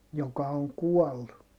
joka on kuollut